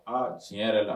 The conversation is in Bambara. Aa tiɲɛ yɛrɛ la